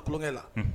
Kulonkɛ la Unhun